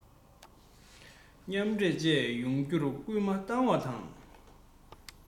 མཉམ འདྲེས བཅས ཡོང རྒྱུར སྐུལ མ བཏང བ དང